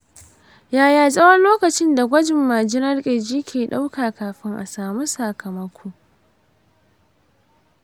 yaya tsawon lokacin da gwajin majinar kirji ke ɗauka kafin a samu sakamako?